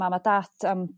mam a dat am